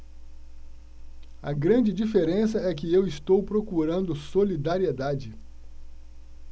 a grande diferença é que eu estou procurando solidariedade